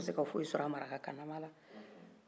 an ma se ka fosi sɔrɔ a maraka kan lama na